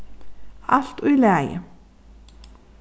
alt í lagi